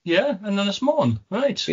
Ie, yn Ynys Môn, reit... Ie.